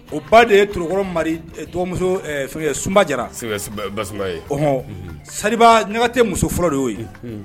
O ba de ye tkɔrɔ mari dɔgɔmuso sunba sa ɲaga tɛ muso fɔlɔ de y'o ye